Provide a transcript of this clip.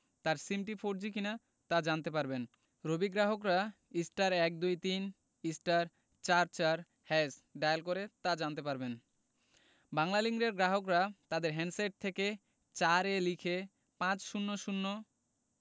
তার সিমটি ফোরজি কিনা তা জানতে পারবেন রবির গ্রাহকরা *১২৩*৪৪# ডায়াল করে তা জানতে পারবেন বাংলালিংকের গ্রাহকরা তাদের হ্যান্ডসেট থেকে ৪ এ লিখে পাঁচ শূণ্য শূণ্য